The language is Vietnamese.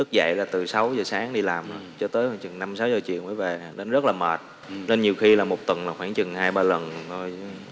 thức dậy là từ sáu giờ sáng đi làm cho tới hồi chừng năm sáu giờ chiều mới về đâm rất là mệt nên nhiều khi một tuần khoảng chừng hai ba lần thôi